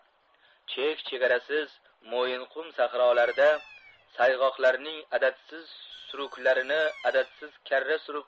chek chegarasiz mo'yinqum sahrolarida sayg'oqlarning adadsiz suruklarini adadsiz karra surib